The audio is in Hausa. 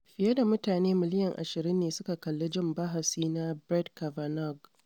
Fiye da mutane miliyan 20 ne suka kalli jin bahasi na Brett Kavanaugh